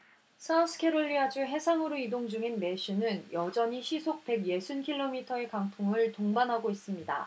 사우스캐롤리아 주 해상으로 이동 중인 매슈는 여전히 시속 백 예순 킬로미터의 강풍을 동반하고 있습니다